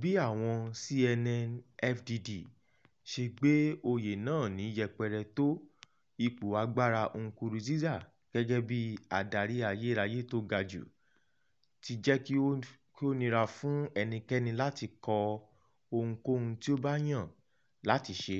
Bí àwọn CNN-FDD ṣe gbé oyè náà ní yẹpẹrẹ tó ipò agbára Nkurunziza gẹ́gẹ́ bí "adarí ayérayé tó ga jù" ti jẹ́ kí ó nira fún ẹnikẹ́ni láti kọ ohunkóhun tí ó bá yàn láti ṣe,